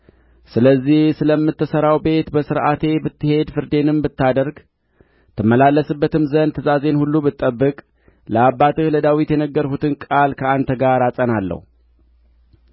ስለዚህ ስለምትሠራው ቤት በሥርዓቴ ብትሄድ ፍርዴንም ብታደርግ ትመላለስበትም ዘንድ ትእዛዜን ሁሉ ብትጠብቅ ለአባትህ ለዳዊት የነገርሁትን ቃል ከአንተ ጋር አጸናለሁ